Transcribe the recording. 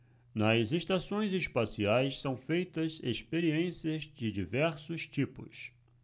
nas estações espaciais são feitas experiências de diversos tipos